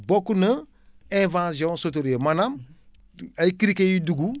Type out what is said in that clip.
bokk na invasion sauteriot maanaam ay criquet yuy dugg